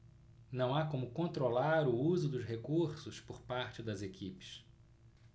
não há como controlar o uso dos recursos por parte das equipes